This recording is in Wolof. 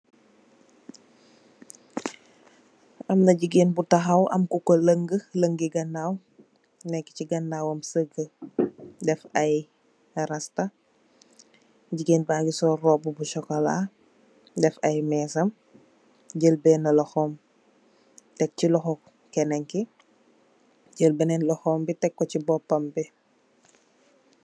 Amna gigain bu takhaw am kukor longue, longue ganaw, nekue chi ganawam sehgue deff aiiy rasta, gigain bangy sol rohbu bu chocolat, deff aiiy meecham, jel bena lokhom tek chi lokhor kenen kii, jel benen lokhom bii tek kor chii bopam.